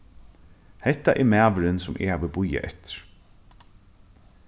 hetta er maðurin sum eg havi bíðað eftir